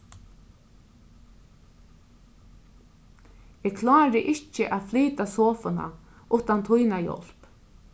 eg klári ikki at flyta sofuna uttan tína hjálp